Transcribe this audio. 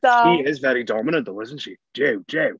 She is very dominant though, isn't she? Jiw jiw.